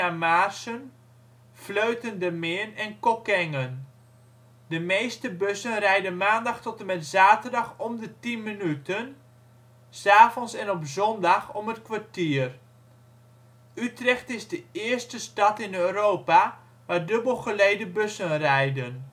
Maarssen, Vleuten/De Meern en Kockengen. De meeste bussen rijden maandag tot en met zaterdag om de 10 minuten, ' s avonds en op zondag om het kwartier. Utrecht is de eerste stad in Europa waar dubbelgelede bussen rijden